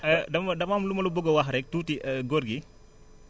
dama dama am lu ma la bëgg a wax rek tuuti góor gi